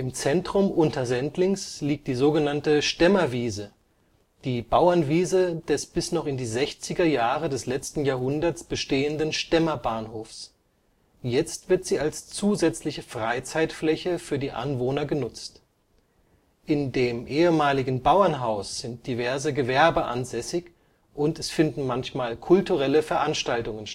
Zentrum Untersendlings liegt die sogenannte Stemmerwiese, die Bauernwiese des bis noch in die sechziger Jahre des letzten Jahrhunderts bestehenden Stemmer-Bauernhofes, jetzt wird sie als zusätzliche Freizeitfläche für die Anwohner genutzt. In dem ehemaligen Bauernhaus sind diverse Gewerbe ansässig und es finden manchmal kulturelle Veranstaltungen